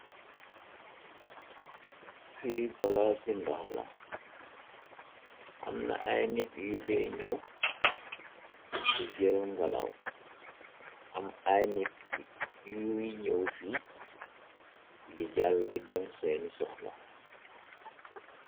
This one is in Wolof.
Fi palaas su ndoh la, amna ay nit yu fè nëw, di jël galaw, am ay nit yu nëw fi di jala di dem senn sohla.